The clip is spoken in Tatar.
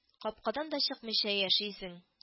– капкадан да чыкмыйча яшисең